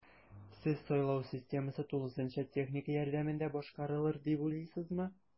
Сез сайлау системасы тулысынча техника ярдәмендә башкарарылыр дип уйлыйсызмы?